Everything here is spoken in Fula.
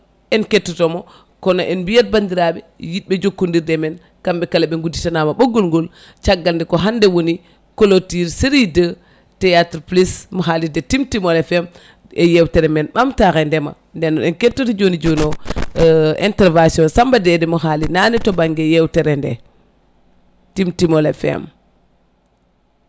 en kettotomo kono en mbiyat bandiraɓe yidɓe jokkodirde men kamɓe kala ɓe gudditanama ɓoggol ngol caggal nde ko hande woni colture sérei 2 théâtre plus mo haalirde Timtimol FM e yewtere men ɓamtare ndeema nden noon en kettoto joni joni o intervention Samba Dédé mo haali nane to banggue yewtere nde Timtimol FM